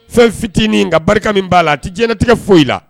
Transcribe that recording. Fɛn fitinin nka barika min b'a la a tɛ jɛnɛtigɛ foyi i la